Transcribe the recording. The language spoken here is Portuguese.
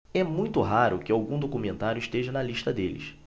é muito raro que algum documentário esteja na lista deles